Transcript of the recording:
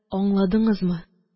Аңладыңызмы